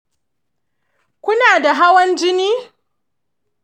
kuna da hawan jini?